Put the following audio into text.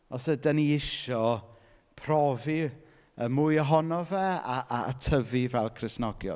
Os ydyn ni isio profi yy mwy ohono fe a a tyfu fel Cristnogion.